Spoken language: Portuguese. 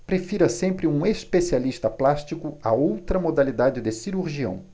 prefira sempre um especialista plástico a outra modalidade de cirurgião